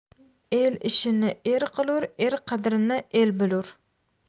el ishini er qilur er qadrini el bilur